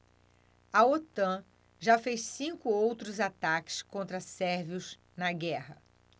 a otan já fez cinco outros ataques contra sérvios na guerra